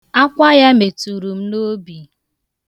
Akwa ya meturu m n' obi.